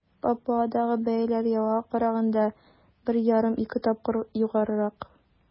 Папуадагы бәяләр Явага караганда 1,5-2 тапкыр югарырак.